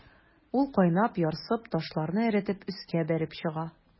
Ул кайнап, ярсып, ташларны эретеп өскә бәреп чыга.